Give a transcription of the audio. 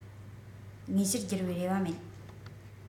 དངོས གཞིར བསྒྱུར བའི རེ བ མེད